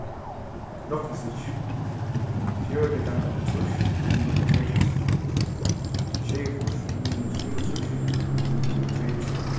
roknistykkir fjøruti ganga hálvtrýss er ligvið tvey túsund sjeyogfýrs minus fimmogtrýss er ligvið tveyogtjúgu